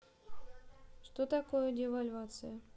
что такое девальвация